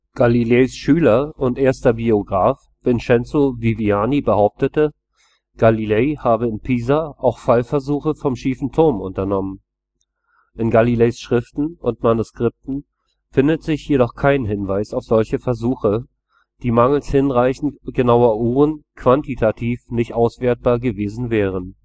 Galileis Schüler und erster Biograf Vincenzo Viviani behauptete, Galilei habe in Pisa auch Fallversuche vom Schiefen Turm unternommen. In Galileis Schriften und Manuskripten findet sich jedoch kein Hinweis auf solche Versuche, die mangels hinreichend genauer Uhren quantitativ nicht auswertbar gewesen wären